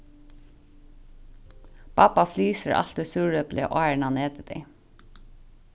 babba flysur altíð súrepli áðrenn hann etur tey